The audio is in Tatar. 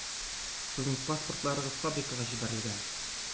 Сезнең паспортларыгыз фабрикага җибәрелгән.